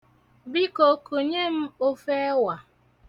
Biko, kunye m ofe ẹwa.